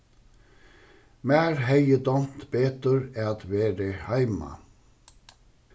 mær hevði dámt betur at verið heima